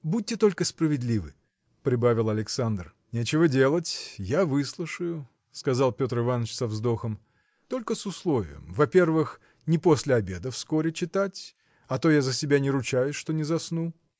будьте только справедливы, – прибавил Александр. – Нечего делать я выслушаю – сказал Петр Иваныч со вздохом – только с условием во-первых не после обеда вскоре читать а то я за себя не ручаюсь что не засну.